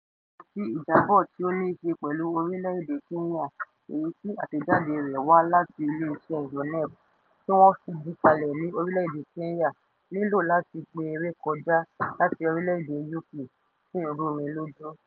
Ìdí nìyẹn tí ìjábọ̀ tí ó níí ṣe pẹ̀lú orílẹ̀ èdè Kenya èyí tí àtẹ̀jáde rẹ̀ wá láti ilé iṣẹ́ (UNEP) tí wọ́n fìdí kalẹ̀ ní orílẹ̀ èdè Kenya nílò láti gbee rékọjá láti orílẹ̀ èdè UK sì ń rú mi lójú.